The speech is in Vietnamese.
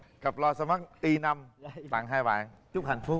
cặp loa xoa mắc i năm tặng hai bạn chúc hạnh phúc